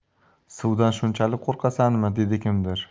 suvdan shunchalik qo'rqasanmi dedi kimdir